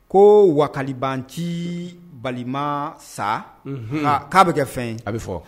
Ko walibanti balima sa nka k'a bɛ kɛ fɛn a bɛ fɔ